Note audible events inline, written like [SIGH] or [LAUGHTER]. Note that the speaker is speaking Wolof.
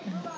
[HESITATION] [HESITATION]